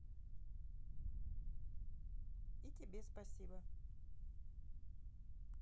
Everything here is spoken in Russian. и тебе спасибо